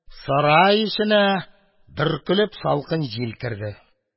Сарай эченә, бөркелеп, салкын җил керде.